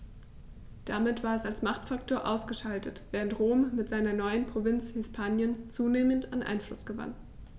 Damit war es als Machtfaktor ausgeschaltet, während Rom mit seiner neuen Provinz Hispanien zunehmend an Einfluss gewann.